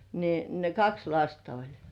niin ne kaksi lasta oli